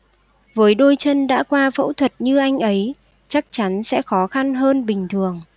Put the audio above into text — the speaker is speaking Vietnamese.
với đôi chân đã qua phẫu thuật như anh ấy chắc chắn sẽ khó khăn hơn bình thường